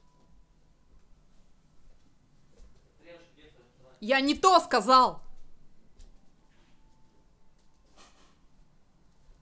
я не то сказал